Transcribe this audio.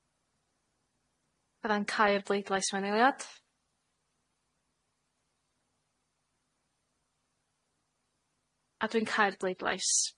Fydda i'n cau'r bleidlais mewn eiliad. A dwi'n cau'r bleidlais.